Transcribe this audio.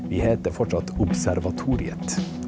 vi heter fortsatt Observatoriet.